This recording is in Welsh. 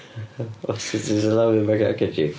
Sut ti'n sillafu macaque chick?